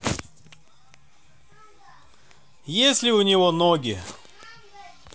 если у него ноги